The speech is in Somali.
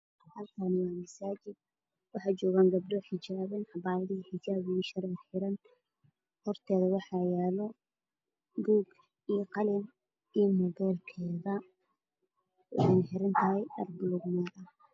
Waa masaajid waxaa fadhiya naga waxay wataan xijaabo waxaa u xiran shareer tay oo